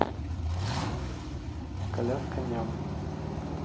коляска ням